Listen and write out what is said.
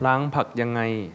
ล้างผักยังไง